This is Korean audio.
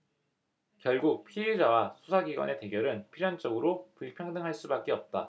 결국 피의자와 수사기관의 대결은 필연적으로 불평등할 수밖에 없다